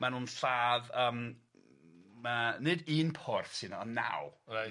Ma' nw'n lladd yym ma- nid un porth sy 'na on' naw. Reit.